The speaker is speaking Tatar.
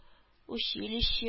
Училище